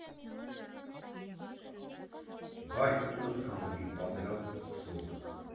Վայ, տունդ քանդվի, պատերազմ սկսող։